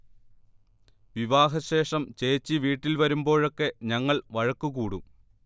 വിവാഹശേഷം ചേച്ചി വീട്ടിൽ വരുമ്ബോഴൊക്കെ ഞങ്ങൾ വഴക്കുകൂടും